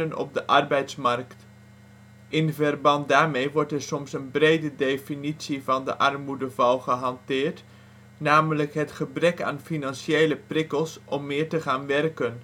op de arbeidsmarkt. In verband daarmee wordt er soms ook een brede definitie van de armoedeval gehanteerd, namelijk ' het gebrek aan financiële prikkels om (meer) te gaan werken